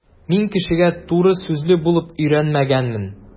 Мин кешегә туры сүзле булып өйрәнгәнмен.